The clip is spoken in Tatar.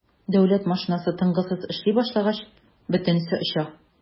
Дәүләт машинасы тынгысыз эшли башлагач - бөтенесе оча.